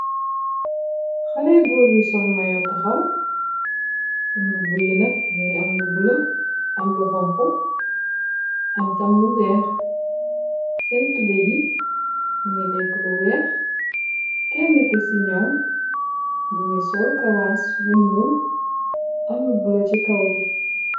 Haley gòor yu sol mayor tahaw, senn mbubu yi nak mungi am lu bulo, am lu honku, am tam lu weeh. Senn tubeye yi mungi nekk lu weeh. Kenn ki ci num mungi sol cawaas bu ñuul am lu bulo chi kaw gi.